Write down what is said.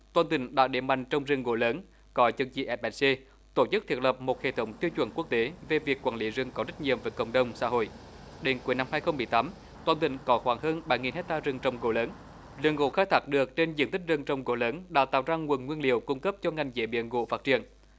toàn tỉnh đã đẩy mạnh trồng rừng gỗ lớn có chứng chỉ ép ét xê tổ chức thiết lập một hệ thống tiêu chuẩn quốc tế về việc quản lý rừng có trách nhiệm với cộng đồng xã hội đến cuối năm hai không mười tắm toàn tỉnh có khoảng hơn bảy nghìn héc ta rừng trồng gỗ lớn lượng gỗ khai thác được trên diện tích rừng trồng gỗ lớn đã tạo ra nguồn nguyên liệu cung cấp cho ngành chế biến gỗ phát triển